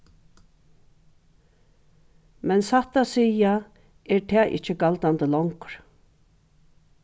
men satt at siga er tað ikki galdandi longur